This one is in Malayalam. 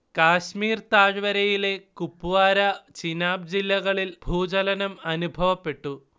കാശ്മീർ താഴ്വരയിലെ കുപ്വാര, ചിനാബ് ജില്ലകളിൽ ഭൂചലനം അനുഭവപ്പെട്ടു